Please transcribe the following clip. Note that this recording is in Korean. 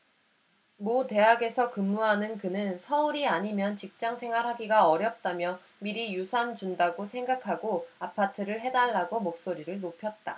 모 대학에서 근무하는 그는 서울이 아니면 직장생활하기 어렵다며 미리 유산 준다고 생각하고 아파트를 해 달라고 목소리를 높였다